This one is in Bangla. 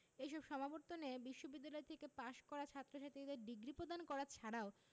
এসব সমাবর্তনে বিশ্ববিদ্যালয় থেকে পাশ করা ছাত্রছাত্রীদের ডিগ্রি প্রদান করা ছাড়াও